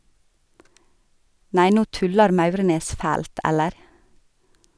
Nei no tullar Maurnes fælt , eller?